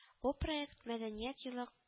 Бу проект мәдәният елы